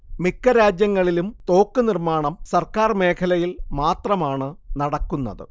മിക്ക രാജ്യങ്ങളിലും തോക്കുനിർമ്മാണം സർക്കാർ മേഖലയിൽ മാത്രമാണ് നടക്കുന്നത്